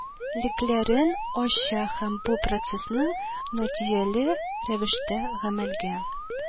Лекләрен ача һәм бу процессның нәтиҗәле рәвештә гамәлгә